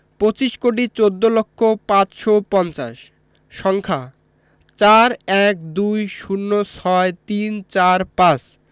পঁচিশ কোটি চৌদ্দ লক্ষ পাঁচশো পঞ্চাশ সংখ্যাঃ ৪ ১২ ০৬ ৩৪৫